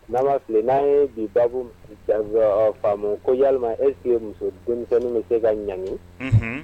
N'a ma fili n'a ye bi babu ɔ faamu ko yalama est ce que muso denmisɛnnin bɛ se ka ɲaŋi? Unhun.